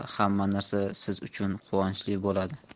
hamma narsa siz uchun quvonchli bo'ladi